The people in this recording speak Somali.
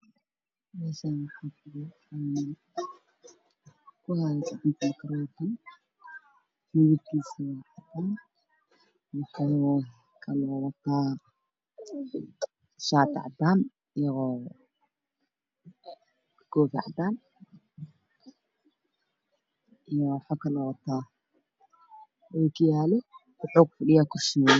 Meeshan waxaa fadhiyaa nin wuxuu wataa shati cadaan oo keeno madow kursiga uu ku fadhiyay waa madow dad ay u wacdinayaan darbiga ka dambeeyo waa cadaan iyo madow isku jiro